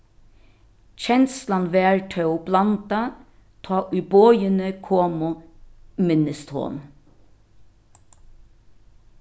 kenslan var tó blandað tá ið boðini komu minnist hon